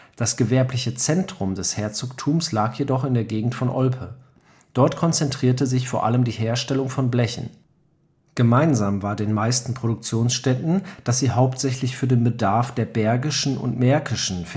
Das gewerbliche Zentrum des Herzogtums lag jedoch in der Gegend von Olpe. Dort konzentrierte sich vor allem die Herstellung von Blechen. Gemeinsam war den meisten Produktionsstätten, dass sie hauptsächlich für den Bedarf der bergischen und märkischen